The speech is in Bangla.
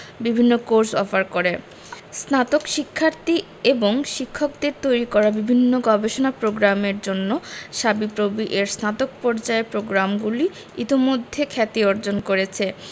বিভিন্ন কোর্স অফার করে স্নাতক শিক্ষার্থী এবং শিক্ষকদের তৈরি করা বিভিন্ন গবেষণা প্রোগ্রামের জন্য সাবিপ্রবি এর স্নাতক পর্যায়ের প্রগ্রামগুলি ইতোমধ্যে খ্যাতি অর্জন করেছে